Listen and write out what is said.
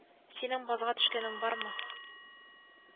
Синең базга төшкәнең бармы